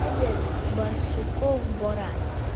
Хәзер Барсуков бара.